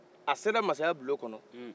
a sera masaya bulon kɔnɔ